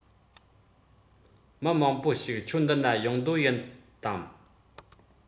མི མང པོ ཞིག ཁྱོད འདི ན ཡོང འདོད ཡིན དམ